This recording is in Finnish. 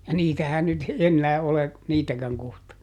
ja niitähän nyt enää ole niitäkään kohta